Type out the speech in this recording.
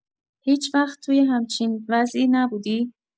هیچ‌وقت توی همچین وضعی نبودی؟